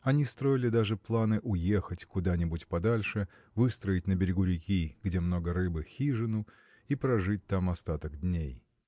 Они строили даже планы уехать куда-нибудь подальше выстроить на берегу реки где много рыбы хижину и прожить там остаток дней.